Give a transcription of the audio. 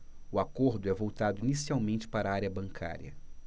o acordo é voltado inicialmente para a área bancária